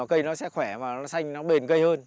cây nó sẽ khỏe và nó xanh nó bền cây hơn